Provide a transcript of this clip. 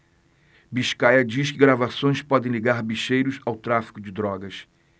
biscaia diz que gravações podem ligar bicheiros ao tráfico de drogas